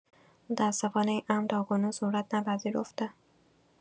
متاسفانه این امر تاکنون صورت نپذیرفته